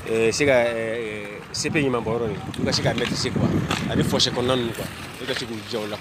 Ee se ka ɛɛ ee CP ɲɛmanbɔn yɔrɔ in u ka sen ka kɛ lycée quoi ani fossé kɔnɔna ninnu quoi olu ka se k'u jija o la